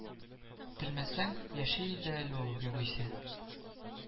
Телмәсәң, яши иде әле ул, югыйсә